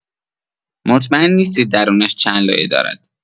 مطمئن نیستید درونش چند لایه دارد.